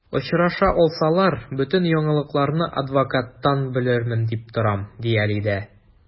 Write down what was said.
Очраша алсалар, бөтен яңалыкларны адвокаттан белермен дип торам, ди Алидә.